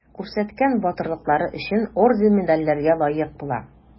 Күрсәткән батырлыклары өчен орден-медальләргә лаек була.